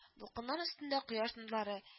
Дулкыннар өстендә кояш нурлары